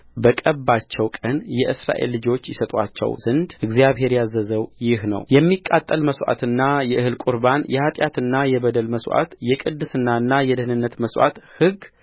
በቀባቸው ቀን የእስራኤል ልጆች ይሰጡአቸው ዘንድ እግዚአብሔር ያዘዘው ይህ ነውየሚቃጠል መሥዋዕትና የእህል ቍርባን የኃጢአትና የበደል መሥዋዕት የቅድስናና የደኅንነት መሥዋዕት ሕግ